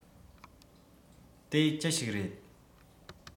དེ ཅི ཞིག རེད